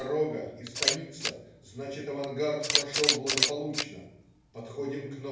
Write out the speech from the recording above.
дорога и станица - значит, авангард прошел благополучно. Подходим к ст.